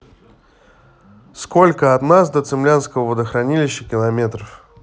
сколько от нас до цимлянского водохранилища километров